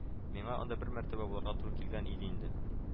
Миңа анда бер мәртәбә булырга туры килгән иде инде